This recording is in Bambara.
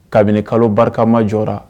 Kabini kalo barikama jɔra